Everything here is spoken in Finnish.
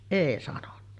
ei sanonut